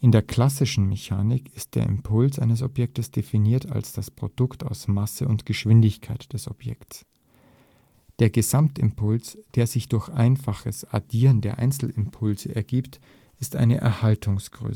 der klassischen Mechanik ist der Impuls eines Objekts definiert als das Produkt aus Masse und Geschwindigkeit des Objekts. Der Gesamtimpuls, der sich durch einfaches Addieren der Einzelimpulse ergibt, ist eine Erhaltungsgröße